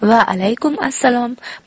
vaalaykum assalom